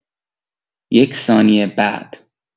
یک ثانیه بعد